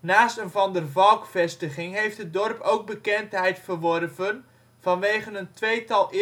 Naast een Van der Valk-vestiging heeft het dorp ook bekendheid verworven vanwege een tweetal erotiekclubs